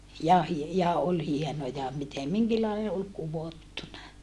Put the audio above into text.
ja - ja oli hienoja miten minkinlainen oli kudottuna